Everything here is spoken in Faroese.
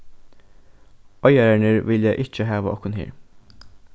eigararnir vilja ikki hava okkum her